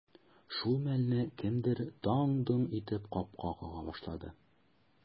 Шул мәлне кемдер даң-доң итеп капка кага башлады.